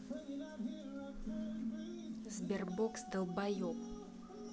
sberbox долбоеб